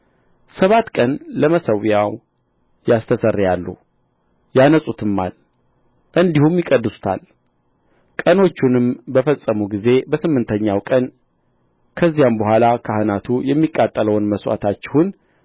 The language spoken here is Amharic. ሰባት ቀን ለመሠዊያው ያስተሰርያሉ ያነጹትማል እንዲሁም ይቀድሱታል ቀኖቹንም በፈጸሙ ጊዜ በስምንተኛው ቀን ከዚያም በኋላ ካህናቱ የሚቃጠለውን መሥዋዕታችሁን